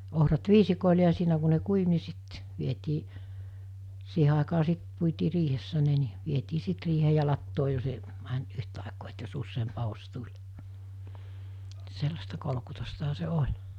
ohrat viisikoille ja siinä kun ne kuivui niin sitten vietiin siihen aikaa sitten puitiin riihessä ne niin vietiin sitten riiheen ja latoon jos - meni yhtaikaa että jos useampi aho tuli sellaista kolkutustahan se oli